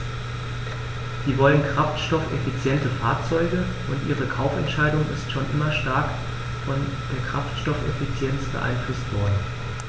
Sie wollen kraftstoffeffiziente Fahrzeuge, und ihre Kaufentscheidung ist schon immer stark von der Kraftstoffeffizienz beeinflusst worden.